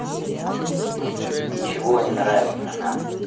ничего не нравится нам